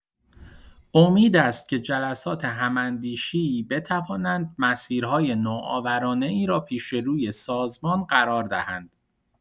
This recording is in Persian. امید است که جلسات هم‌اندیشی بتوانند مسیرهای نوآورانه‌ای را پیش‌روی سازمان قرار دهند.